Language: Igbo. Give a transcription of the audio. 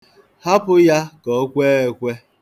Hapụ ya ka o kwee ekwe.